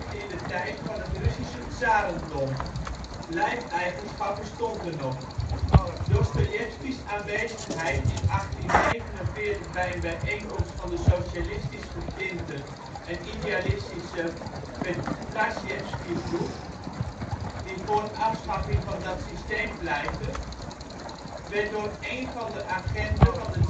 in de tijd van het Russische tsarendom. Lijfeigenschap bestond er nog. Dostojevski 's aanwezigheid in 1849 bij een bijeenkomst van de socialistisch getinte en idealistische Petrasjevskigroep, die voor afschaffing van dat systeem pleitte, werd door een van de agenten van de